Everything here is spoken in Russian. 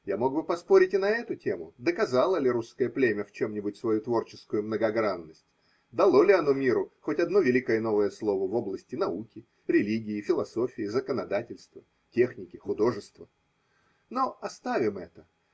Я мог бы поспорить и на ту тему, доказало ли русское племя в чем-нибудь свою творческую многогранность – дало ли оно миру хоть одно великое новое слово в области науки, религии, философии, законодательства, техники, художества. Но оставим это.